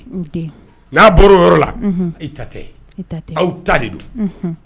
N'a bɔra o yɔrɔ la i ta ta de don